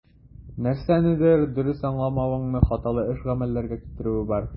Нәрсәнедер дөрес аңламавыңның хаталы эш-гамәлләргә китерүе бар.